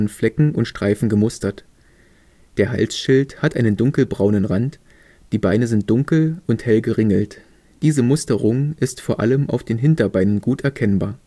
Flecken und Streifen gemustert. Der Halsschild hat einen dunkelbraunen Rand, die Beine sind dunkel und hell geringelt, diese Musterung ist vor allem auf den Hinterbeinen gut erkennbar